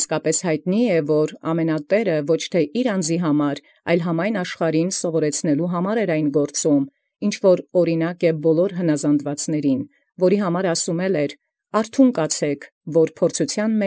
Ուստի և յայտնի իսկ է և առանց խուզելոյ, եթէ ոչ վասն անձին ամենատէրն, այլ համաշխարհի յուսումն զայն գործէր. որ է աւրինակ ամենայն հնազանդելոց. վասն որոյ ասէր իսկ. «Արթուն կացէք, զի մի՛ ի փորձութիւն։